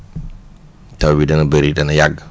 taw bi dana bëri dana yàgg